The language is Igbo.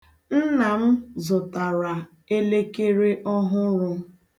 Nna m zụtara elekere ọhụrụ.